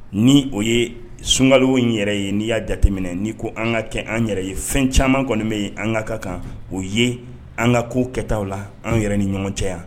Ni o ye sunkali in yɛrɛ ye n'i y'a jateminɛ ni ko an ka kɛ an yɛrɛ ye fɛn caman kɔni bɛ yen an ka ka kan o ye an ka ko kɛta la an yɛrɛ ni ɲɔgɔn cɛ yan